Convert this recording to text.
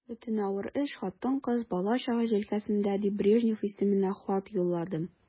Бөтен авыр эш хатын-кыз, бала-чага җилкәсендә дип, Брежнев исеменә хат юлладым.